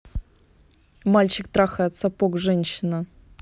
мальчик трахает сапог женщина